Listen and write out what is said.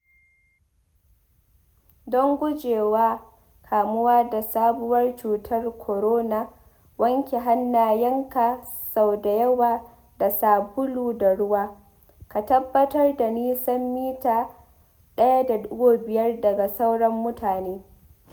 Don gujewa kamuwa da sabuwar cutar korona, wanke hannayenka sau da yawa da sabulu da ruwa, ka tabbatar da nisan mita 1.5 daga sauran mutane.